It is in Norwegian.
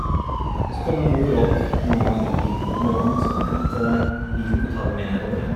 Så kommer mor opp nå i morgen og skal hente bilen og ta den med nedover igjen.